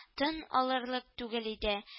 Тын алырлык түгел иде